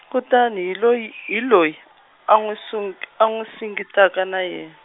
kutani hi loyi , hi loyi , a nwi sung-, a nwi singitaka na ye-.